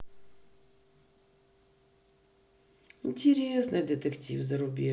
интересный детектив зарубежный